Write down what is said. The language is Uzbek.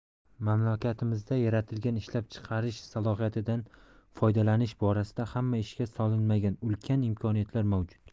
mamlakatimizda yaratilgan ishlab chiqarish salohiyatidan foydalanish borasida ham ishga solinmagan ulkan imkoniyatlar mavjud